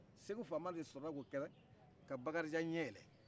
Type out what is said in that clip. segu faama de sɔrɔla k'o kɛ ka bakarijan ɲɛ yɛlɛn